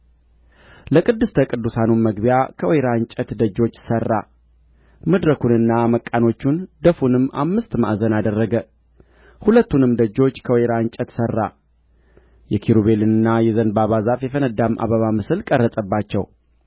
ለቅዱስተ ቅዱሳኑም መግቢያ ከወይራ እንጨት ደጆች ሠራ መድረኩንና መቃኖቹን ደፉንም አምስት ማዕዘን አደረገ ሁለቱንም ደጆች ከወይራ እንጨት ሠራ የኪሩቤልንና የዘንባባ ዛፍ የፈነዳም አበባ ምስል ቀረጸባቸው